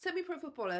Semi-pro footballer